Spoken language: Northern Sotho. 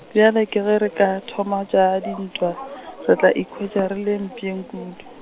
bjale ke ge re ka thoma tša dintwa, re tla ikhwetša re le mpšeng kudu.